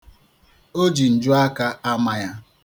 O ji njuaka ama ya.